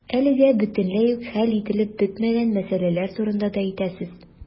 Әлегә бөтенләй үк хәл ителеп бетмәгән мәсьәләләр турында да әйтәсез.